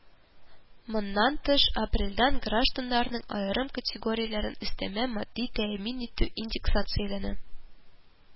Моннан тыш, апрельдән гражданнарның аерым категорияләрен өстәмә матди тәэмин итү индексацияләнә